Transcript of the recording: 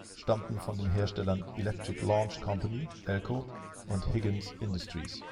stammten von den Herstellern Electric Launch Company (Elco) und Higgins Industries